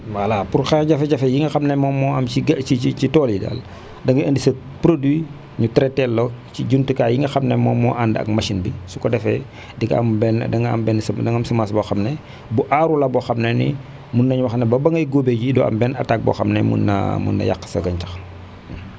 voilà pour xeex jafe-jafe yi nga xam ne moom moo am ci ga ci ci tool yi daal da ngay indi sa produit ñu traité teel la ci jumtukaay yi nga xam ne moom moo ànd ak machine bi su ko defee di nga am benn di nga am benn se di nga am semence boo xam ne bu aaru la boo xam ne ni mun nañu wax ne ba ba ngay góobee ji doo am benn attaque boo xam ne mun naa mun na yàq sa gàncax